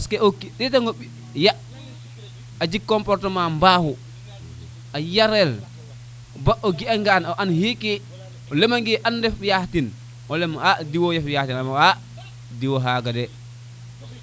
parce que okiin ndetan o ɓiy ya a jeg comportement mbaaxu a yarel bo o ga angaan o an xeke lema nge an ref ya xe den o leya a diwo ref ya den o leya xa diwo xaga de